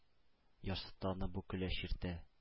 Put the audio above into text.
Ярсытты аны бу көләч иртә.